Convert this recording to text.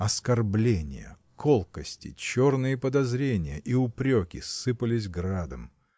Оскорбления, колкости, черные подозрения и упреки сыпались градом.